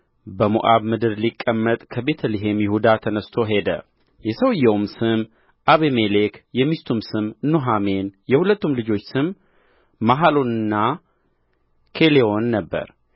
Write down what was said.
በሞዓብ ምድር ሊቀመጥ ከቤተ ልሔም ይሁዳ ተነሥቶ ሄደ የሰውዮውም ስም አቤሜሌክ የሚስቱም ስም ኑኃሚን የሁለቱም ልጆች ስም መሐሎንና ኬሌዎን ነበረ